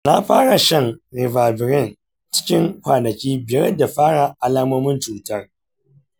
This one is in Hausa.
nafara shan ribavirin cikin kwanaki biyar da fara alamomin cutar.